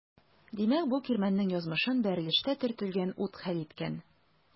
Димәк бу кирмәннең язмышын бәрелештә төртелгән ут хәл иткән.